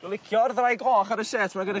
Dwi licio yr ddrag goch ar y set 'ma gyda chi.